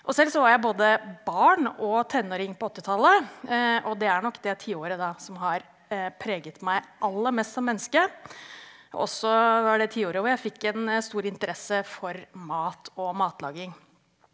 og selv så var jeg både barn og tenåring på åttitallet, og det er nok det tiåret da som har preget meg aller mest som menneske, og så var det tiåret hvor jeg fikk en stor interesse for mat og matlaging.